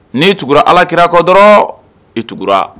N'i tugura alakira kɔ dɔrɔnw, i tugu la